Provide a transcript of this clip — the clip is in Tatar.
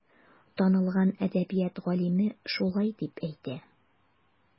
Танылган әдәбият галиме шулай дип әйтә.